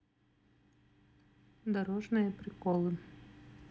дорожные приколы